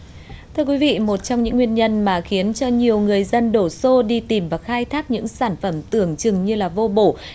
thưa quý vị một trong những nguyên nhân mà khiến cho nhiều người dân đổ xô đi tìm và khai thác những sản phẩm tưởng chừng như là vô bổ